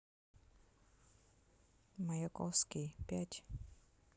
маяковский пять